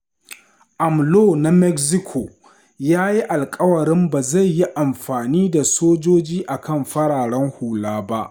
AMLO na Mexico ya yi alkawarin ba zai yi amfani da sojoji a kan fararen hula ba